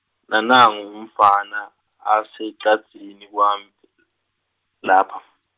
Nanangu umfana, asecadzini kwami, lapha.